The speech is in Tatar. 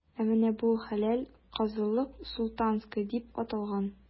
Ә менә бу – хәләл казылык,“Султанская” дип аталган.